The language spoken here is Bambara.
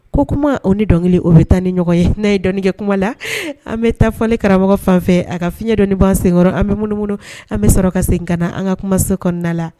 Ko kuma o ni dɔnkili o bɛ taa ni ɲɔgɔn ye n'a ye dɔnkɛ kuma la an bɛ taa fɔli karamɔgɔ fan fɛ a ka fiɲɛɲɛ dɔnniinban senkɔrɔ an bɛ minnuumunu an bɛ sɔrɔ ka sen ka an ka kumasen kɔnɔna la